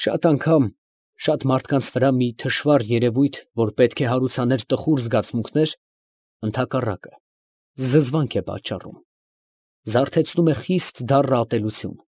Շատ անգամ, շատ մարդկանց վրա, մի թշվառ երևույթ, որ պետք է հարուցաներ տխուր զգացմունքներ, ֊ ընդհակառակն զզվանք է պատճառում, զարթեցնում է խիստ դառն ատելություն։